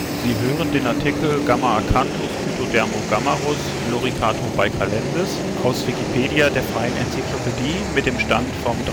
Sie hören den Artikel Gammaracanthuskytodermogammarus loricatobaicalensis, aus Wikipedia, der freien Enzyklopädie. Mit dem Stand vom